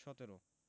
= ১৭